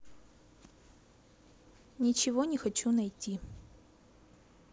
ничего не хочу найти